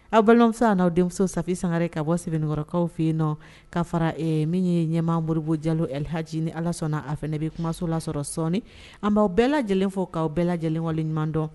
Aw balimasa n'aw denmisɛnw sanfɛ sangaɛrɛ ka bɔ sɛbɛnnkɔrɔkaw fɛ yen nɔ k'a fara min ye ɲɛmaurubu jalo alilhhahd ni ala sɔnna a fana bɛ kumaso lasɔrɔ sɔɔni an b'aw bɛɛ lajɛlen fɔ k'aw bɛɛ lajɛlen waleɲuman dɔn